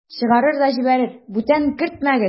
Чыгарыр да җибәрер: "Бүтән кермәгез!"